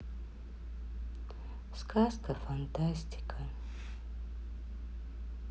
сказка фантастика